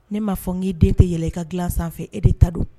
Ne ma fɔ n k'i den tɛ yɛlɛ i ka dilan sanfɛ e de ta don